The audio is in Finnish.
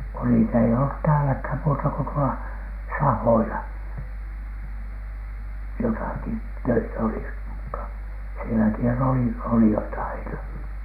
kun niitä ei ollut täälläkään muuta kuin tuolla sahoilla jotakin töitä olisi mutta sielläkinhän ne oli olijat aina